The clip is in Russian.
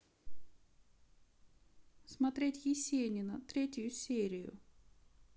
смотреть есенина третью серию